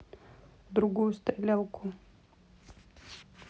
другую стрелялку